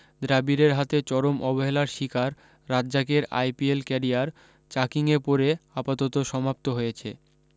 দ্রাবিড়ের হাতে চরম অবহেলার স্বীকার রাজ্জাকের আইপিএল ক্যারিয়ার চাকিংয়ে পড়ে আপাতত সমাপ্ত হয়েছে